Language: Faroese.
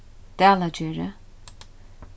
dalagerði